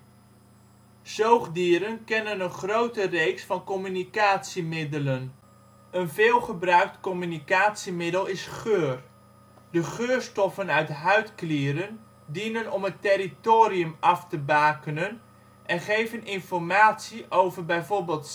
Zoogdieren kennen een grote reeks van communicatiemiddelen. Een veelgebruikt communicatiemiddel is geur. De geurstoffen uit huidklieren dienen om het territorium af te bakenen en geven informatie over bijvoorbeeld